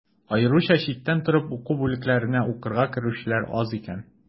Аеруча читтән торып уку бүлекләренә укырга керүчеләр аз икән.